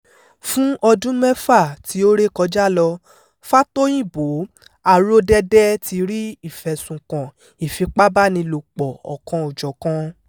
Fún ọdún mẹ́fà tí ó ré kọjá lọ, Fátóyìnbó aródẹ́dẹ́ ti rí ìfẹ̀sùnkàn ìfipábánilòpọ̀ ọ̀kan-ò-jọ̀kan.